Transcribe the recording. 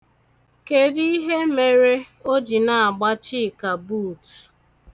Kedu ihe mere o ji na-agba Chika buutu?